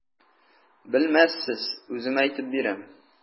Белмәссез, үзем әйтеп бирәм.